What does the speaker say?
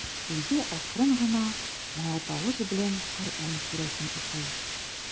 Үзе акрын гына, моңлы тавыш белән Коръән сүрәсен укый.